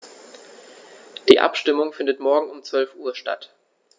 Die Abstimmung findet morgen um 12.00 Uhr statt.